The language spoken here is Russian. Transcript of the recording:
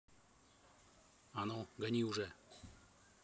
а ну гони уже